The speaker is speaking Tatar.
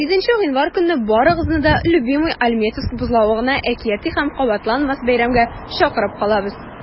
7 гыйнвар көнне барыгызны да "любимыйальметьевск" бозлавыгына әкияти һәм кабатланмас бәйрәмгә чакырып калабыз!